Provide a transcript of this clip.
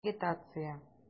Агитация?!